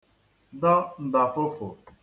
dọ ǹdàfụfụ